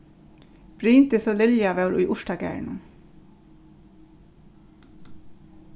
bryndis og lilja vóru í urtagarðinum